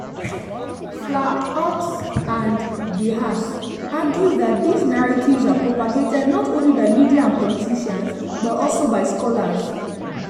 Flahaux and De Haas argue that these narratives are propagated not only by "media and politicians" but also by scholars.